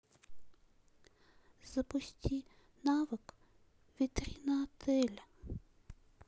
запусти навык витрина отеля